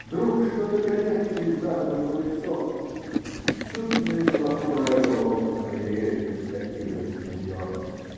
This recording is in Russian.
Вдруг что-то горячее залило его лицо, и чудная белокурая головка Мэриели скатилась на дерн.